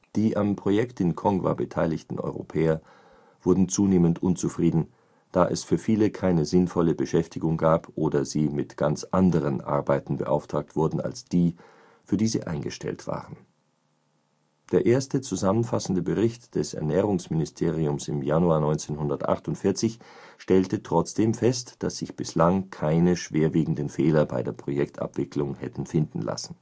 Die am Projekt in Kongwa beteiligten Europäer wurden zunehmend unzufrieden, da es für viele keine sinnvolle Beschäftigung gab oder sie mit ganz anderen Arbeiten beauftragt wurden als die, für die sie eingestellt waren. Der erste zusammenfassende Bericht des Ernährungsministeriums im Januar 1948 stellte trotzdem fest, daß sich bislang keine schwerwiegenden Fehler bei der Projektabwicklung hätten finden lassen